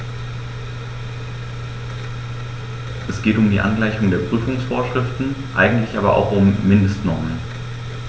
Es geht um die Angleichung der Prüfungsvorschriften, eigentlich aber auch um Mindestnormen.